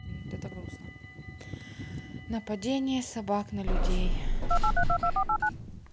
нападение собак на людей